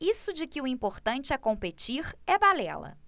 isso de que o importante é competir é balela